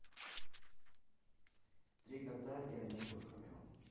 три кота и одна кошечка мяу